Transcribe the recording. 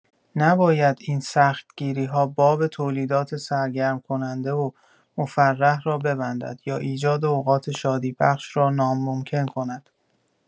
نباید این سختگیری‌ها باب تولیدات سرگرم‌کننده و مفرح را ببندد یا ایجاد اوقات شادی‌بخش را ناممکن کند